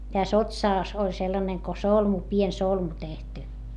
tässä otsassa oli sellainen kuin solmu pieni solmu tehty